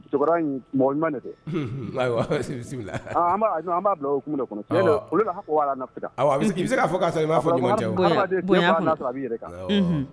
Cɛkɔrɔba ɲuman bɛ se i b'a